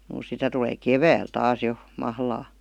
juu sitä tulee keväällä taas jo mahlaa